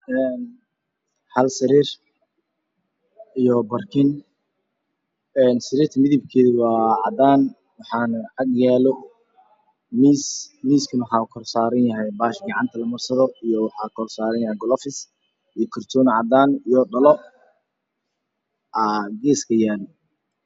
Hal sariir iyo barkin sariirta midabkeedu waa cadaan waxaana agyaalo miis. Miis kana waxaa korsaaran bahasha gacanta lamarsado iyo galoofis iyo kartoon cadaan ah iyo dhalo oo geeska yaala.